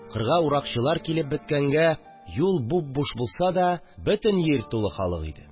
Кырга уракчылар килеп беткәнгә, юл буп-буш булса да, бөтен җир тулы халык иде